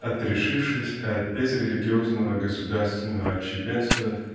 отрешившись от безрелигиозного государственного отщепенства